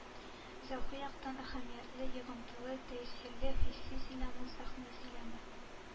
Зәүкый яктан әһәмиятле, йогынтылы, тәэсирле, хисси сөйләм ул — сәхнә сөйләме.